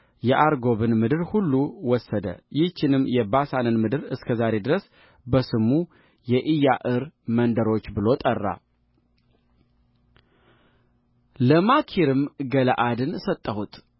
የአርጎብን ምድር ሁሉ ወሰደ ይህችንም የባሳንን ምድር እስከ ዛሬ ድረስ በስሙ የኢያዕር መንደሮች ብሎ ጠራለማኪርም ገልዓድን ሰጠሁት